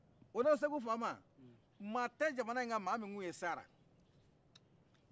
o don segou fama mɔgɔ tɛ jamana in ka mɔgɔ min ye s'ala